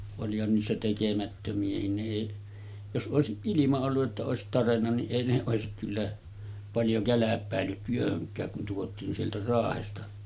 olihan niissä tekemättömiäkin ne ei jos olisi ilman ollut että olisi tarjennut niin ei ne olisi kyllä paljon kälpäillyt työhönkään kun tuotiin sieltä Raahesta